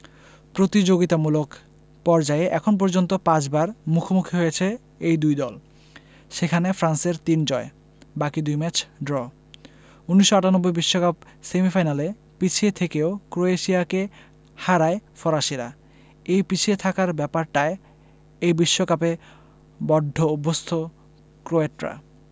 প্রতিযোগিতামূলক পর্যায়ে এখন পর্যন্ত পাঁচবার মুখোমুখি হয়েছে এই দুই দল সেখানে ফ্রান্সের তিন জয় বাকি দুই ম্যাচ ড্র ১৯৯৮ বিশ্বকাপ সেমিফাইনালে পিছিয়ে থেকেও ক্রোয়েশিয়াকে হারায় ফরাসিরা এই পিছিয়ে থাকার ব্যাপারটায় এই বিশ্বকাপে বড্ড অভ্যস্ত ক্রোয়াটরা